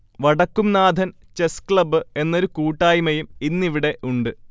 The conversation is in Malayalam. വടക്കുംനാഥൻ ചെസ് ക്ളബ്ബ് എന്നൊരു കൂട്ടായ്മയും ഇന്നിവിടെ ഉണ്ട്